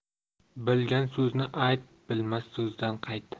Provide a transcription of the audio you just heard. bilgan so'zni ayt bilmas so'zdan qayt